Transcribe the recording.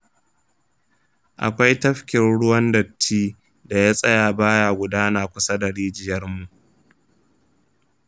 akwai tafkin ruwan datti da ya tsaya ba ya gudana kusa da rijiyarmu.